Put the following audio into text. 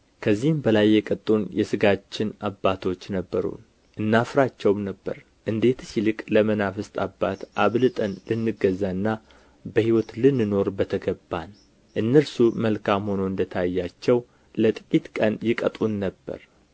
ከዚህም በላይ የቀጡን የሥጋችን አባቶች ነበሩን እናፍራቸውም ነበር እንዴትስ ይልቅ ለመናፍስት አባት አብልጠን ልንገዛና በሕይወት ልንኖር በተገባን እነርሱ መልካም ሆኖ እንደ ታያቸው ለጥቂት ቀን ይቀጡን ነበርና